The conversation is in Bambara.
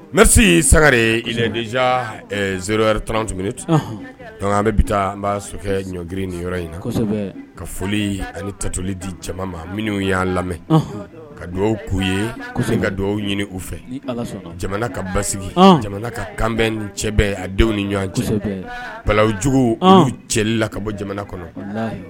Sa z z tan tugunitu an bɛ bɛ taa' sokɛ ɲgiri ni yɔrɔ in na ka foli ani tatoli di cɛman ma minnu y'an lamɛn ka dugawu k'u ye kuse ka dugawu ɲini u fɛ jamana ka basigi jamana ka kanbɛn ni cɛbɛ a denw ni ɲɔgɔn cɛ balalawjugu uu cɛ la ka bɔ jamana kɔnɔ